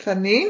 Ffyni?